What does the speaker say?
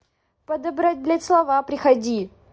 подобрать блядь слова приходи